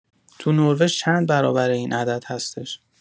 تو نروژ چندبرابر این عدد هستش؟